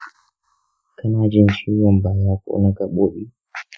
kana jin ciwon baya ko na gaɓoɓi?